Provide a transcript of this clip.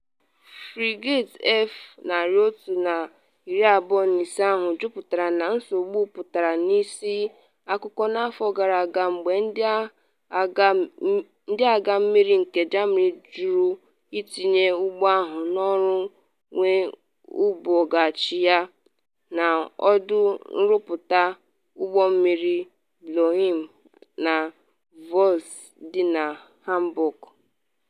Frigate F125 ahụ juputara na nsogbu pụtara n’isi akụkọ n’afọ gara aga mgbe Ndị Agha Mmiri nke Germany jụrụ itinye ụgbọ ahụ n’ọrụ wee bughachi ya na ọdụ nrụpụta ụgbọ mmiri Blohm & Voss dị na Hamburg.